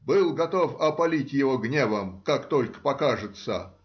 был готов опалить его гневом, как только покажется.